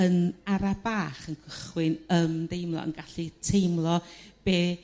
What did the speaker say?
yn ara' bach yn cychwyn ymdeimlo yn gallu teimlo be'